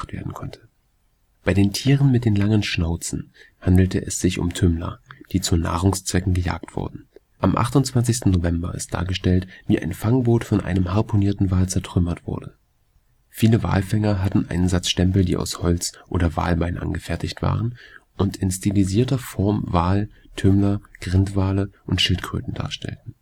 werden konnte. Bei den Tieren mit den langen Schnauzen handelt es sich um Tümmler, die zu Nahrungszwecken gejagt wurden. Am 28. November ist dargestellt, wie ein Fangboot von einem harpunierten Wal zertrümmert wurde. Viele Walfänger hatten einen Satz Stempel, die aus Holz oder Walbein angefertigt waren und in stilisierter Form Wal, Tümmler, Grindwale und Schildkröten darstellten